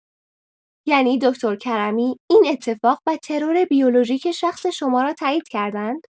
یعنی دکتر کرمی این اتفاق و ترور بیولوژیک شخص شما را تایید کردند؟